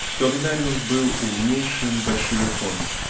что Авенариус был умнейшим "большевиком".